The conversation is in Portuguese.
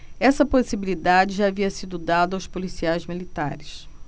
essa possibilidade já havia sido dada aos policiais militares